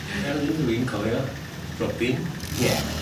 Fel 'yn dwi'n cofio, Robin. Ie.